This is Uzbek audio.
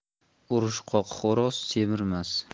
urushqoq xo'roz semirmas